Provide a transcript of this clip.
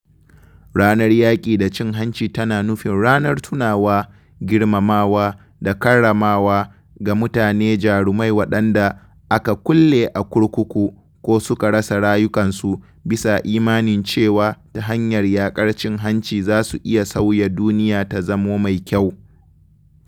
Ranar Yaƙi da Cin Hanci tana nufin ranar tunawa, girmamawa da karramawa ga mutane jarumai waɗanda aka kulle a kurkuku ko suka rasa rayukansu, bisa imanin cewa ta hanyar yaƙar cin hanci zasu iya sauya duniya ta zamo mai kyau.